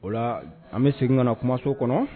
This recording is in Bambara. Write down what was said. Ola an bɛ segin ka na kumaso kɔnɔ